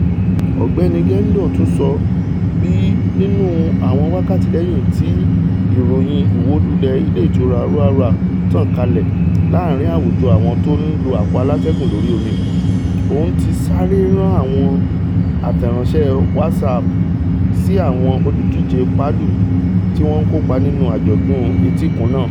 Ọ̀gbẹ́ni Gendon tún sọ bí, nínú àwọn wákàtí lẹ́yìn ti ìròyìn ìwólulẹ̀ Ilé Ìtura Roa Roa tàn kalẹ̀ láàrin àwùjọ àwọn tó ńlo àpò alátẹ́gùn lórí omi, òun ti sáré rán àwọn àtẹ̀ránṣẹ́ WhatsApp sí àwọn olùdíje Palu, tí wọ́n ńkópa nínú àjọ̀dún etíkun náà.